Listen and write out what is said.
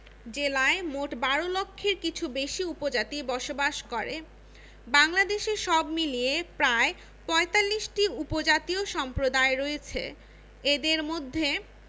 জেলায় মোট ১২ লক্ষের কিছু বেশি উপজাতি বসবাস করে বাংলাদেশে সব মিলিয়ে প্রায় ৪৫টি উপজাতীয় সম্প্রদায় রয়েছে এদের মধ্যে